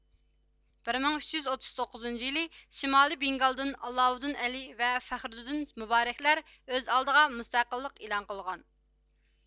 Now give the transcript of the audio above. بىر مىڭ ئۈچ يۈز ئوتتۇز توققۇزىنچى يىلى شىمالىي بېنگالدىن ئالاۋۇددىن ئەلى ۋە فەخرۇددىن مۇبارەكلەر ئۆز ئالدىغا مۇستەقىللىق ئېلان قىلغان